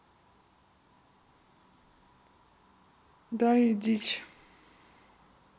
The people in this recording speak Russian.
дай дичь